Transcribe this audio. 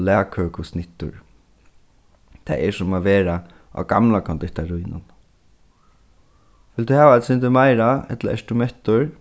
og lagkøkusnittur tað er sum at vera á gamla kondittarínum vilt tú hava eitt sindur meira ella ert tú mettur